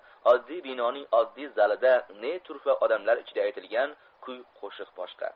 oddiy binoning oddiy zalida ne turfa odamlar ichida aytilgan kuy qo'shiq boshqa